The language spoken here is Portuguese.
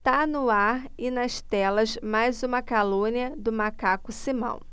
tá no ar e nas telas mais uma calúnia do macaco simão